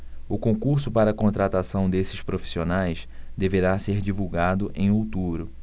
o concurso para contratação desses profissionais deverá ser divulgado em outubro